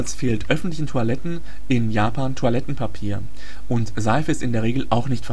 fehlt öffentlichen Toiletten in Japan Toilettenpapier, und Seife ist in der Regel auch nicht vorhanden